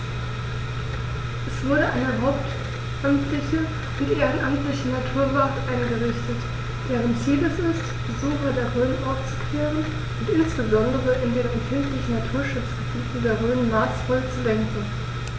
Es wurde eine hauptamtliche und ehrenamtliche Naturwacht eingerichtet, deren Ziel es ist, Besucher der Rhön aufzuklären und insbesondere in den empfindlichen Naturschutzgebieten der Rhön maßvoll zu lenken.